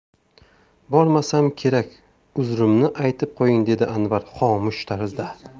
bormasam kerak uzrimni aytib qo'ying dedi anvar xomush tarzda